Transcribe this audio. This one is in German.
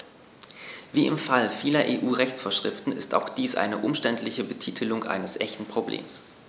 Wie im Fall vieler EU-Rechtsvorschriften ist auch dies eine umständliche Betitelung eines echten Problems.